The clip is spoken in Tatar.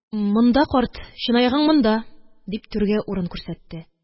Әни: – Монда, карт, чынаягың монда! – дип, түргә урын күрсәтте.